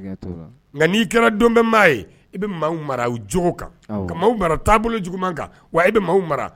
Siga t'o la nka n'i kɛra don bɛ maa, i bɛ maaw u cogo kan, awɔ, i bɛ maaw mara taabolo juguman kan, wa e bɛ maaw mara